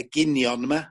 eginion yma.